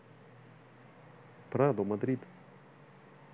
прадо мадрид